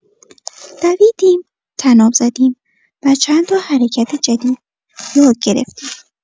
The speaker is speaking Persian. دویدیم، طناب زدیم و چند تا حرکت جدید یاد گرفتیم.